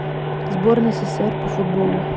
сборная ссср по футболу